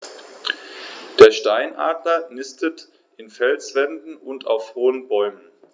Der Steinadler nistet in Felswänden und auf hohen Bäumen.